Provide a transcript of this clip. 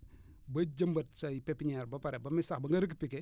ba jëmbat say pepinière ba pare ba muy sax repiquer